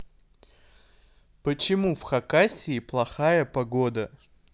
почему в хакассии плохая погода